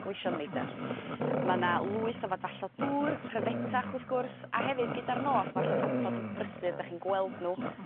Gweision neidar ma' 'na lwyth a fadfallod dŵr pryfetach wrth gwrs a hefyd gyda'r nos ma'r llyffantod yn brysur 'dach chi'n gweld n'w